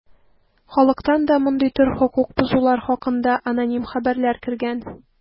Халыктан да мондый төр хокук бозулар хакында аноним хәбәрләр кергән.